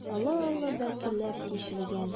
Олы-олы бәкеләр тишелгән.